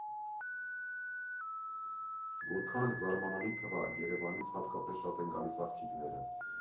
Որքան էլ զարմանալի թվա, Երևանից հատկապես շատ են գալիս աղջիկները։